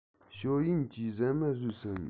ཞའོ ཡན གྱིས ཟ མ ཟོས ཡོད དམ